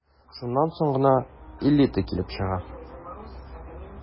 Шуннан соң гына «элита» килеп чыга...